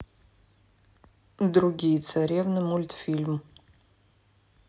другие царевны мультфильм